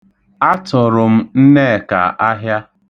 Atụrụ m Nneka ahịa.